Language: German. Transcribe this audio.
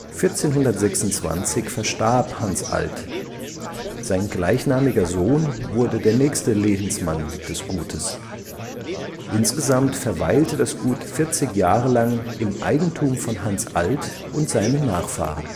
1426 verstarb Hanns Alt. Sein gleichnamiger Sohn wurde der nächste Lehensmann des Gutes. Insgesamt verweilte das Gut 40 Jahre lang im Eigentum von Hanns Alt und seinen Nachfahren